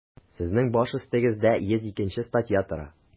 Сезнең баш өстегездә 102 нче статья тора.